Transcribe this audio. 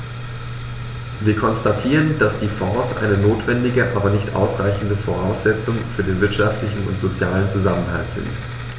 Wir konstatieren, dass die Fonds eine notwendige, aber nicht ausreichende Voraussetzung für den wirtschaftlichen und sozialen Zusammenhalt sind.